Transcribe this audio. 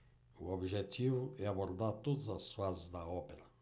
o objetivo é abordar todas as fases da ópera